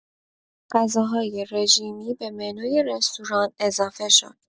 غذاهای رژیمی به منوی رستوران اضافه شد.